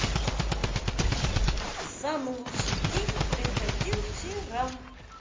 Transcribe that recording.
самый лучший день приходил вчера